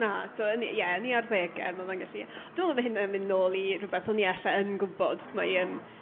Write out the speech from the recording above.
Na eto yn i-... Ie yn 'u arddeg ma' fe'n gallu... Dyla fy huanan mynd nôl i rhywbeth o'n i elle yn gw'bod mae yn